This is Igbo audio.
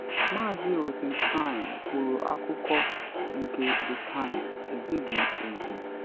Maazị Rosentein kwuru akụkọ nke The Times ezighi ezi.